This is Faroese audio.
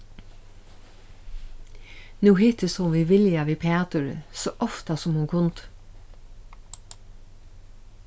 nú hittist hon við vilja við pæturi so ofta sum hon kundi